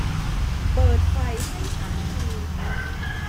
เปิดไฟให้ฉันที